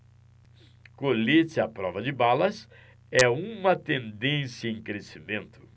colete à prova de balas é uma tendência em crescimento